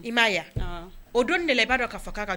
I m ma o don de laban b'a don ka fanga kan